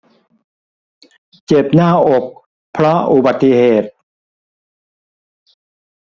เจ็บหน้าอกเพราะอุบัติเหตุ